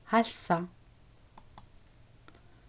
heilsa